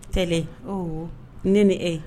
Tɛlɛ ooho ne ni e